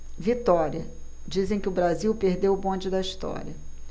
vitória dizem que o brasil perdeu o bonde da história